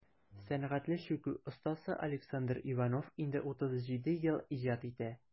Сәнгатьле чүкү остасы Александр Иванов инде 37 ел иҗат итә.